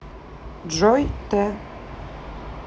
джой т